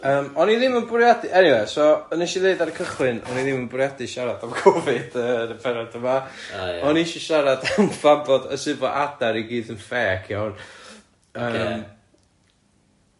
Yym o'n i ddim yn bwriadu eniwe, so 'nes i ddweud ar y cychwyn o'n i ddim yn bwriadu siarad am Covid yn y pennod yma... O ia ...o'n i isio siarad am pam bod, sut bod adar i gyd yn ffêc iawn, yym... Ocê?